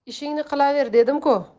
ishingni qilaver dedim ku